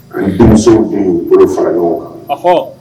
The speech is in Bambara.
A denmuso b' bolo fara ɲɔgɔn kanɔ